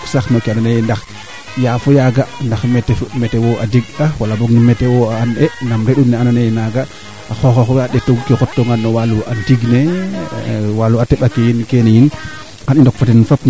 ten refu o ŋolo ndge de leya mene in kama sinig in Diarekh ten i misoogu Dioyine teena misoogu Diawoul yit teena miisoogu wala soo andaaye sereer a mis anga baa pare